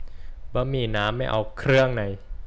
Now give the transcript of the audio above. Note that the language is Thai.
บะหมี่น้ำไม่เอาเครื่องใน